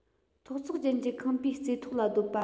ཐོག བརྩེགས ཅན གྱི ཁང པའི རྩེ ཐོག ལ སྡོད པ